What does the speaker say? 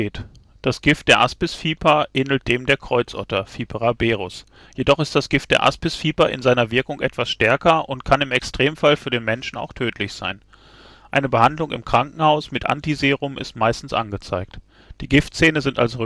Das Gift der Aspisviper ähnelt dem der Kreuzotter (Vipera berus), jedoch ist das Gift der Aspisviper in seiner Wirkung etwas stärker und kann im Extremfall für den Menschen auch tödlich sein. Eine Behandlung im Krankenhaus mit Antiserum ist meistens angezeigt. Die Giftzähne sind als